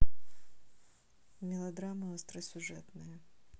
мелодрамы остросюжетные